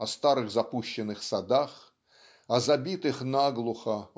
о старых запущенных садах о забитых наглухо